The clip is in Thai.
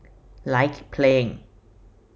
ไลค์เพลง